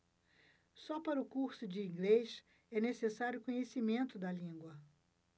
só para o curso de inglês é necessário conhecimento da língua